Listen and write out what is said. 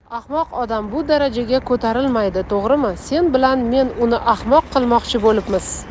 ahmoq odam bu darajaga ko'tarilmaydi to'g'rimi sen bilan men uni ahmoq qilmoqchi bo'libmiz